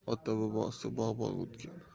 ota bobosi bog'bon o'tgan